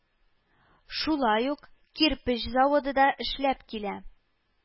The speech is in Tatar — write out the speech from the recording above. Шулай ук, кирпеч заводы да эшләп килә